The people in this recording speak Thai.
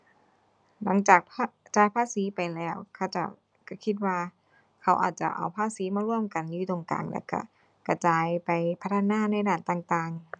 หลังจาก จ่ายภาษีไปแล้ว เขาเจ้าก็คิดว่าเขาอาจจะเอาภาษีมารวมกันอยู่ตรงกลาง แล้วก็กระจายไปพัฒนาในด้านต่างต่าง